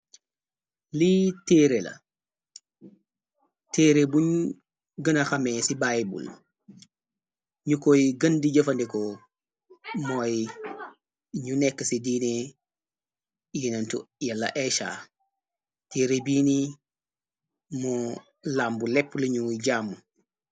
Lii teere la teere buñ gëna xamee ci bàyyibul ñu koy gëndi jëfandeko mooy ñu nekk ci diine yenentu yalla asia teere biini moo lambu lepp lañu jàam.